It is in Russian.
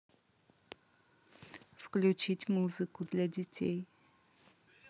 включить музыку для детей